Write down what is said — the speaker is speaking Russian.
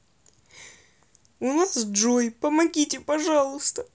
у нас джой помогите пожалуйста